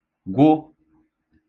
gwụ